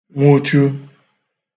nwụchu